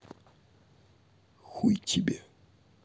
хуй тебе